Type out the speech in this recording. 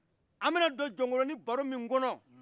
an be na do jɔkoloni baromi kɔno